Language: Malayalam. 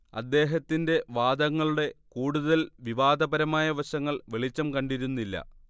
അദ്ദേഹത്തിന്റെ വാദങ്ങളുടെ കൂടുതൽ വിവാദപരമായ വശങ്ങൾ വെളിച്ചം കണ്ടിരുന്നില്ല